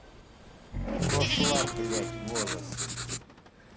обошла блять волосы